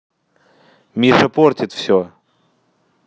миша портит все